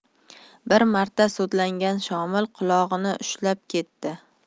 bir marta sudlangan shomil qulog'ini ushlab ketdi